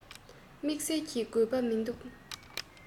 དམིགས བསལ གྱི དགོས པ མིན འདུག